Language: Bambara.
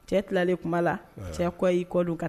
Cɛ tilalen kuma la cɛ kɔ i ko don ka